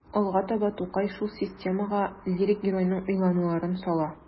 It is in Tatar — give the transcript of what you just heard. Алга таба Тукай шул системага лирик геройның уйлануларын сала.